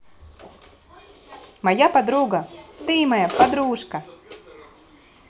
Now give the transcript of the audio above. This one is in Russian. моя подруга ты моя подружка